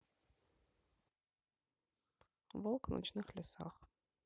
волк в ночных лесах